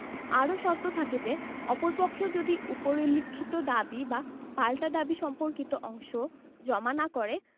আরো শর্ত থাকে যে অপর পক্ষেও যদি উপরিল্লিখিত দাবী বা পাল্টা দাবী সম্পর্কিত অংশ জমা না করে